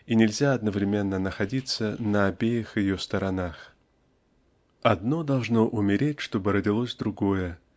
и нельзя одновременно находиться на обеих ее сторонах. Одно должно умереть чтобы родилось другое